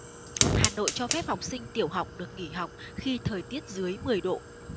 hà nội cho phép học sinh tiểu học được nghỉ học khi thời tiết dưới mười độ